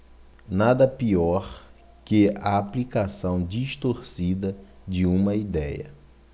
nada pior que a aplicação distorcida de uma idéia